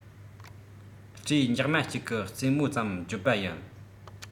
སྐྲའི ཉག མ གཅིག གི རྩེ མོ ཙམ བརྗོད པ ཡིན